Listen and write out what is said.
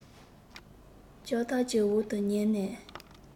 ལྕགས ཐབ ཀྱི འོག ཏུ ཉལ ནས